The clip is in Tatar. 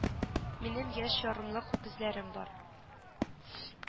Минем яшь ярымлык үгезләрем бар